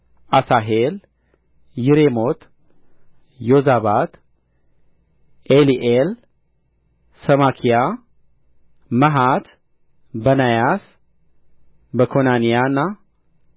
አሣሄል ይሬሞት ዮዛባት ኤሊኤል ሰማኪያ መሐት በናያስ ከኮናንያና